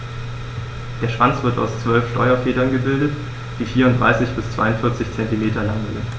Der Schwanz wird aus 12 Steuerfedern gebildet, die 34 bis 42 cm lang sind.